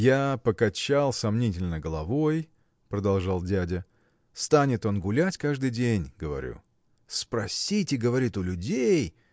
– Я покачал сомнительно головой, – продолжал дядя. – Станет он гулять каждый день! – говорю. Спросите, говорит, у людей.